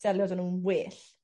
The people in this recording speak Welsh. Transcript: delio 'da nw'n well.